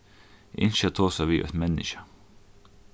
eg ynski at tosa við eitt menniskja